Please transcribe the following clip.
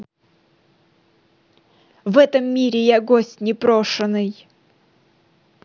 в этом мире я гость непрошенный